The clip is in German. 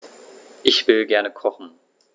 Ich will gerne kochen.